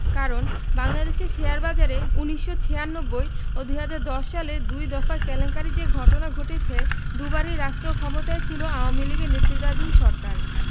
কারণ বাংলাদেশের শেয়ারবাজারে ১৯৯৬ ও ২০১০ সালের দুই দফা কেলেঙ্কারির যে ঘটনা ঘটেছে দুবারই রাষ্ট্রক্ষমতায় ছিল আওয়ামী লীগের নেতৃত্বাধীন সরকার